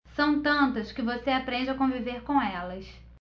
são tantas que você aprende a conviver com elas